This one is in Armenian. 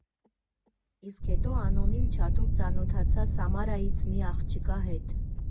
Իսկ հետո անոնիմ չաթով ծանոթացա Սամարայից մի աղջկա հետ։